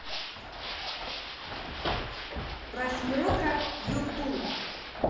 просмотра ютуб